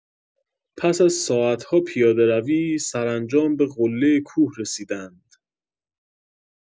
پس از ساعت‌های پیاده‌روی، سرانجام به قله کوه رسیدند.